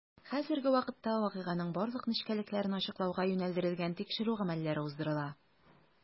Хәзерге вакытта вакыйганың барлык нечкәлекләрен ачыклауга юнәлдерелгән тикшерү гамәлләре уздырыла.